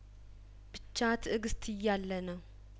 ብቻ ትእግስት እያለነው